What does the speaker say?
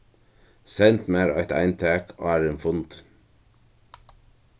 send mær eitt eintak áðrenn fundin